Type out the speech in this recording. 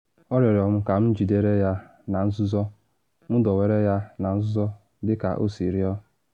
“Ọ rịọrọ m ka m jidere ya na nzuzo, m dowere ya na nzuzo dị ka o si rịọ.”